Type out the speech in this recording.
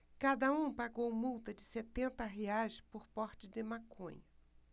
cada um pagou multa de setenta reais por porte de maconha